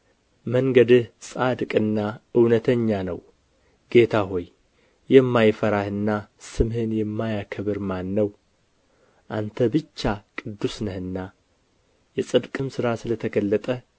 መንገድህ ጻድቅና እውነተኛ ነው ጌታ ሆይ የማይፈራህና ስምህን የማያከብር ማን ነው አንተ ብቻ ቅዱስ ነህና የጽድቅም ሥራህ ስለ ተገለጠ